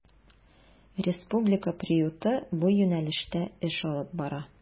Республика приюты бу юнәлештә эш алып бара.